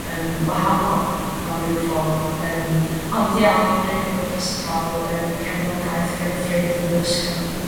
yn wahanol mewn rhyw ffordd yym ond ie o'n i'n rili lwcus i ga'l yym cefnogaeth gen ffrind yn yr ysgol.